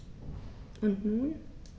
Und nun?